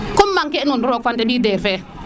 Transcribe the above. kum manquer nun roog fa ndembi der fe